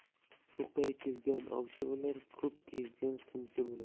to'qay kezgan ovchi bo'lar ko'p kezgan sinchi bo'lar